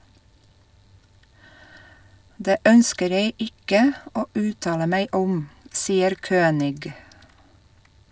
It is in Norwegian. - Det ønsker jeg ikke å uttale meg om, sier Kønig.